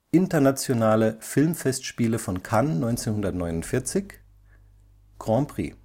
Internationale Filmfestspiele von Cannes 1949 Grand Prix